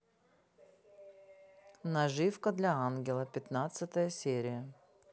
наживка для ангела пятнадцатая серия